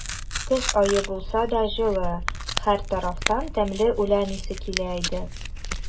Көз ае булса да, җылы; һәр тарафтан тәмле үлән исе килә иде.